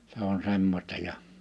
se on semmoista ja